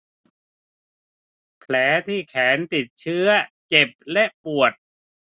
แผลที่แขนติดเชื้อเจ็บและปวด